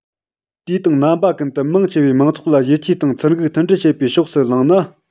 དུས དང རྣམ པ ཀུན ཏུ མང ཆེ བའི མང ཚོགས ལ ཡིད ཆེས དང ཚུར འགུག མཐུན སྒྲིལ བྱེད པའི ཕྱོགས སུ ལངས ན